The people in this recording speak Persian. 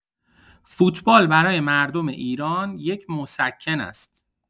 فوتبال برای مردم ایران یک مسکن است.